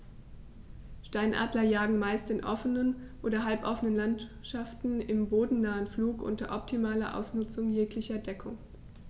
Steinadler jagen meist in offenen oder halboffenen Landschaften im bodennahen Flug unter optimaler Ausnutzung jeglicher Deckung.